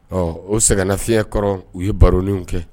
Ɔ o sɛgɛnnafiyɛn kɔrɔ u ye baronenw kɛ